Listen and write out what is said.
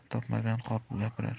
topmagan qopib gapirar